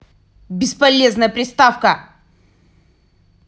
бесполезная приставка